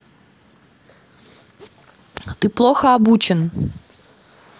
ты плохо обучен